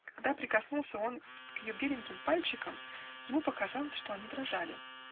когда прикоснулся он к ее беленьким пальчикам, ему показалось, что они дрожали.